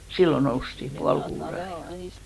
silloin noustiin puoli kuuden aikaan